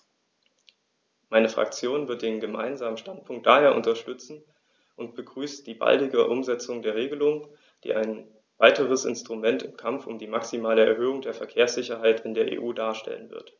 Meine Fraktion wird den Gemeinsamen Standpunkt daher unterstützen und begrüßt die baldige Umsetzung der Regelung, die ein weiteres Instrument im Kampf um die maximale Erhöhung der Verkehrssicherheit in der EU darstellen wird.